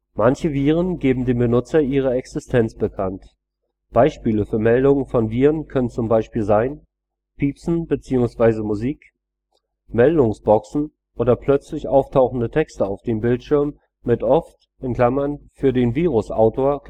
Manche Viren geben dem Benutzer ihre Existenz bekannt. Beispiele für Meldungen von Viren können zum Beispiel sein: Piepsen bzw. Musik Meldungsboxen oder plötzlich auftauchende Texte auf dem Bildschirm mit oft (für den Virusautor